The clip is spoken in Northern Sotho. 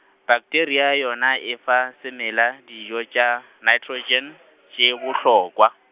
pakteria yona e fa semela dijo tša naetrotšene, tše bohlokwa.